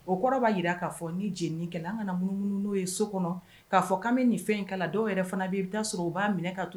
O kɔrɔ jira k'a fɔ ni jenikɛla an ka munumunu n'o ye so kɔnɔ k'a fɔ ka bɛ nin fɛn in kala dɔw yɛrɛ fana bɛɛ i bɛ taa sɔrɔ u b'a minɛ ka to